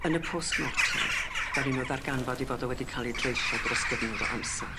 Yn y post-mortem ddaru nw ddarganfod 'i fod o wedi ca'l 'i dreisio dros gyfnod o amsar.